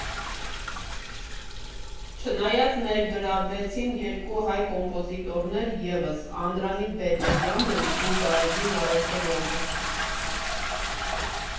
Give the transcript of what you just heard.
Չնայած ներգրավվեցին երկու հայ կոմպոզիտորներ ևս՝ Անդրանիկ Բերբերյանն ու Գարեգին Առաքելյանը։